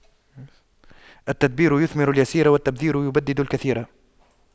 التدبير يثمر اليسير والتبذير يبدد الكثير